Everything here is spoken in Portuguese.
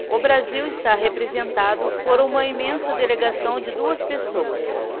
o brasil está representado por uma imensa delegação de duas pessoas